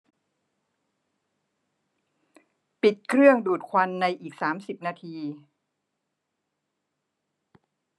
ปิดเครื่องดูดควันในอีกสามสิบนาที